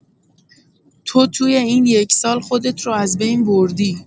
تو توی این یک سال خودت رو از بین بردی.